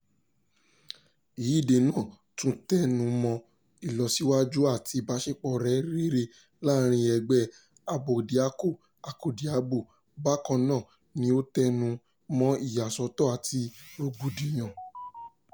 Ìyíde náà tún tẹnu mọ́ ìlọsíwájú àti ìbáṣepọ̀ rere láàárín ẹgbẹ́ abódiakọ-akọ́diabo; bákan náà ni ó tẹnu mọ́ ìyàsọ́tọ̀ àti rògbòdìyàn.